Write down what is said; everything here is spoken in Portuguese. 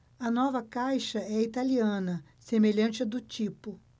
a nova caixa é italiana semelhante à do tipo